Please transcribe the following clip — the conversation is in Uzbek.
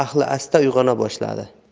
ahli asta uyg'ona boshladi